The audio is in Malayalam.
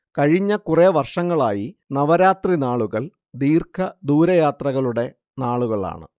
കഴിഞ്ഞ കുറേ വർഷങ്ങളായി നവരാത്രിനാളുകൾ ദീഘദൂരയാത്രകളുടെ നാളുകളാണ്